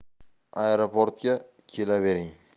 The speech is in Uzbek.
aeroportga kelavering